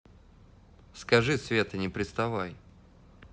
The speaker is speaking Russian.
скажи света не приставай